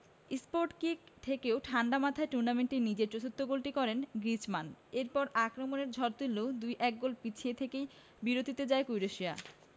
spot kick থেকে ঠাণ্ডা মাথায় টুর্নামেন্টে নিজের চতুর্থ গোলটি করেন গ্রিজমান এরপর আক্রমণের ঝড় তুললেও ২ ১ গোলে পিছিয়ে থেকেই বিরতিতে যায় ক্রোয়েশিয়া